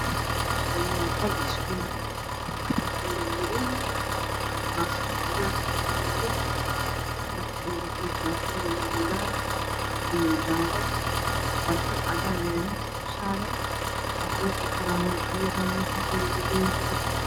Meeshaan waa qol iskuul ah waxaa joogo wiilal kuraasman alwaax ah ayaa yaalo kalarka shaatiyada ay wataan waa cadaan iyo jaalo warqad cadaan ah ayaa miiska u saaran wax ayay qorahayaan.